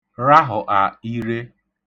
rahụ̀ṫà ire